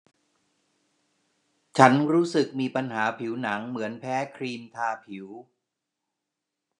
ฉันรู้สึกมีปัญหาผิวหนังเหมือนแพ้ครีมทาผิว